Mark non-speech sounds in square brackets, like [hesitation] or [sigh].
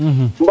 [hesitation] [hesitation]